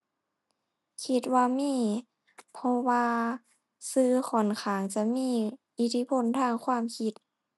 คิดว่ามี เพราะว่าสื่อค่อนข้างจะมีอิทธิพลทางความคิด